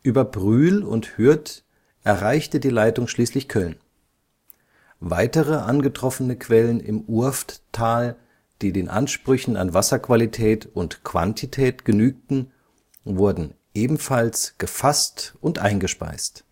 Über Brühl und Hürth erreichte die Leitung schließlich Köln. Weitere angetroffene Quellen im Urfttal, die den Ansprüchen an Wasserqualität und - quantität genügten, wurden ebenfalls gefasst und eingespeist